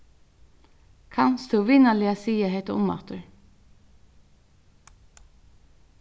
kanst tú vinarliga siga hetta umaftur